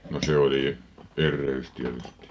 no se oli erehdys tietysti